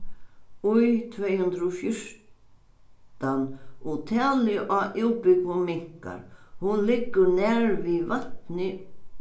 í tvey hundrað og fjúrtan og talið á minkar hon liggur nær við vatnið